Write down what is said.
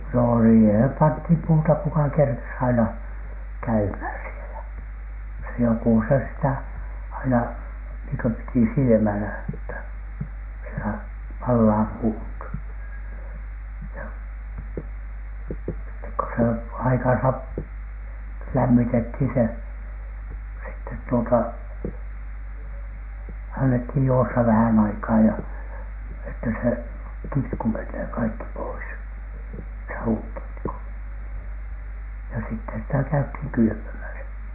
no siihen pantiin puuta kuka kerkesi aina käymään siellä se joku se sitä aina niin kuin piti silmällä että siellä palaa puut ja sitten kun se aikansa - lämmitettiin se sitten tuota annettiin juosta vähän aikaa ja että se kitku menee kaikki pois saunakitku ja sitten sitä käytiin kylpemässä